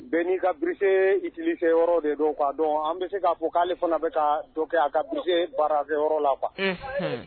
Bɛn n'i ka bi i kikisɛ de don dɔn an bɛ k' fɔ k'ale fana bɛ ka kɛ a ka bara kɛ la kuwa